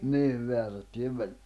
niin määrättyjen -